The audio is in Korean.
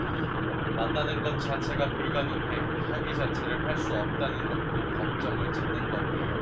만나는 것 자체가 불가능해 협의 자체를 할 수 없는 것도 법정을 찾는 건데요